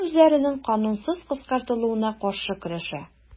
Алар үзләренең канунсыз кыскартылуына каршы көрәшә.